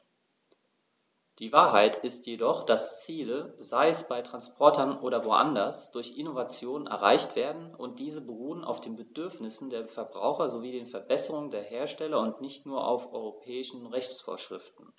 Die Wahrheit ist jedoch, dass Ziele, sei es bei Transportern oder woanders, durch Innovationen erreicht werden, und diese beruhen auf den Bedürfnissen der Verbraucher sowie den Verbesserungen der Hersteller und nicht nur auf europäischen Rechtsvorschriften.